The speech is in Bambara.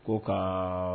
Ko ka